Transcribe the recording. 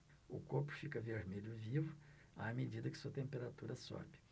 o corpo fica vermelho vivo à medida que sua temperatura sobe